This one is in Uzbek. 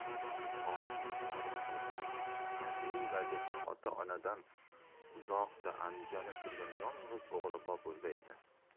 xonimning xayoli shu xatarli vaziyatda ota onadan uzoqda andijonda turgan yolg'iz o'g'li boburda edi